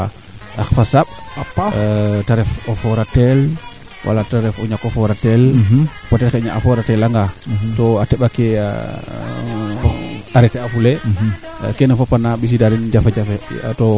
jokalante an no ku xot tuuna no walu d' abord varieté ke ke ando naye ten nu soxla aayo fo kee xot tuuna no walum meteo fee xar fo xar ten refu kee ando naye ten deku koogo den